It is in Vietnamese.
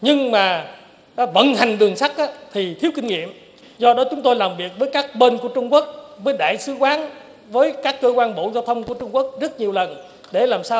nhưng mà ta vận hành đường sắt thì thiếu kinh nghiệm do đó chúng tôi làm việc với các bên của trung quốc với đại sứ quán với các cơ quan bộ giao thông của trung quốc rất nhiều lần để làm sao